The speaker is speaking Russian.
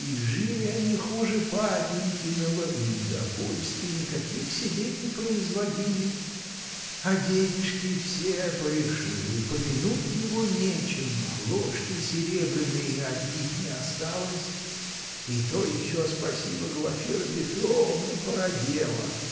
и жили они хуже папенькиного, и удовольствий никаких себе не производили, -- а денежки все порешил, и помянуть его нечем, ложки серебряной от них не осталось, и то еще спасибо, Глафира Петровна порадела".